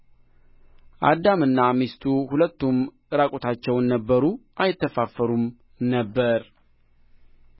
አዳምና ሚስቱ ሁለቱም ዕራቁታቸውን ነበሩ አይተፋፈሩም ነበር